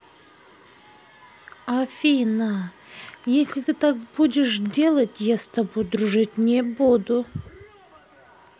афина если ты так будешь делать я с тобой дружить не буду